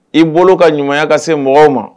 I bolo ka ɲuman ka se mɔgɔw ma